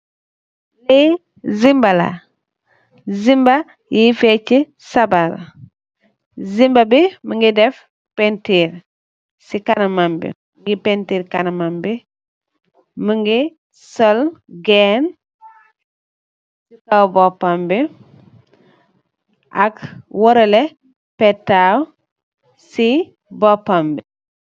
Li zimba la zimba yee fecheh sabarr Zimba bi munge daf paintur si kanamam bi munge sul geen ak waraleh petaaw si bopam bi